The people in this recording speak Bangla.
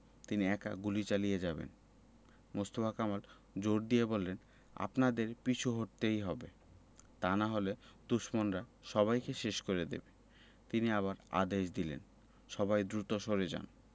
তিনি একা গুলি চালিয়ে যাবেন মোস্তফা কামাল জোর দিয়ে বললেন আপনাদের পিছু হটতেই হবে তা না হলে দুশমনরা সবাইকে শেষ করে দেবে তিনি আবার আদেশ দিলেন সবাই দ্রুত সরে যান